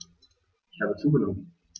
Ich habe zugenommen.